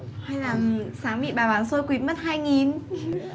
hay là sáng bị bà bán xôi quỵt mất hai nghìn